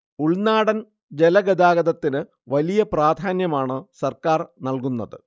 ഉൾനാടൻ ജലഗതാഗതത്തിനു വലിയ പ്രാധാന്യമാണു സർക്കാർ നൽകുന്നത്